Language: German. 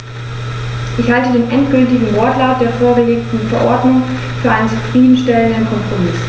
Ich halte den endgültigen Wortlaut der vorgelegten Verordnung für einen zufrieden stellenden Kompromiss.